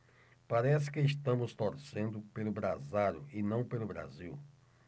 parece que estamos torcendo pelo brasário e não pelo brasil